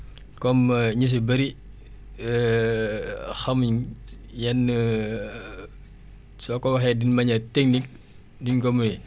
comme ñu si bëri xamuñ yan soo ko waxee d' une manière technique duñ ko muy